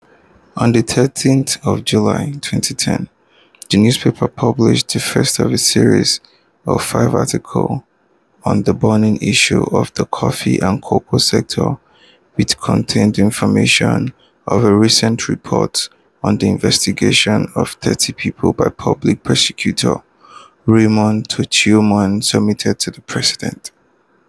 On 13th of July, 2010 the newspaper published the first of a series of five articles on the “burning issue” of the coffee and cocoa sector which contained information of a recent report on the investigation of 30 people by public prosecutor Raymond Tchimou submitted to the president.